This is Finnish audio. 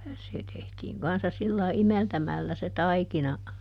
se tehtiin kanssa sillä lailla imeltämällä se taikina